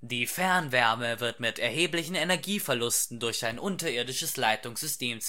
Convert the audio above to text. Die Fernwärme wird mit erheblichen Energieverlusten durch ein unterirdisches Leitungssystem